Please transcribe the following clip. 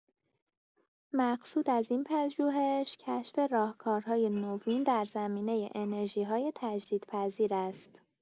مقصود از این پژوهش، کشف راهکارهای نوین در زمینه انرژی‌های تجدیدپذیر است.